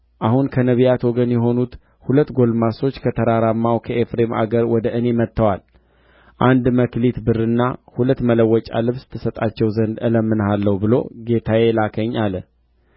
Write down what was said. ከእርሱም አንዳች እወስዳለሁ አለ ግያዝም ንዕማንን ተከተለው ንዕማንም ወደ እርሱ ሲሮጥ ባየው ጊዜ ሊገናኘው ከሰረገላው ወርዶ ሁሉ ደኅና ነውን አለው እርሱም ደኅና ነው